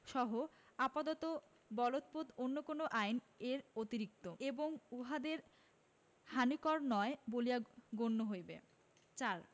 সহ আপাতত বলবৎ অন্য কোন আইন এর অরিক্তি এবংউহাদের হানিকর নয় বলিয়া গণ্য হইবে ৪